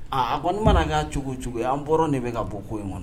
Aa a ko n manaa'a cogo o cogo ye an bɔra de bɛ ka bɔ ko in kɔnɔ